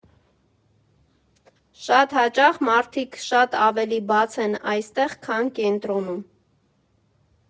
«Շատ հաճախ մարդիկ շատ ավելի բաց են այստեղ, քան կենտրոնում։